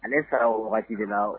Ale sara o waati wagati de la